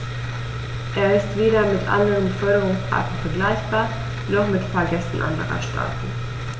Er ist weder mit anderen Beförderungsarten vergleichbar, noch mit Fahrgästen anderer Staaten.